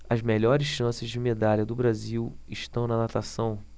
as melhores chances de medalha do brasil estão na natação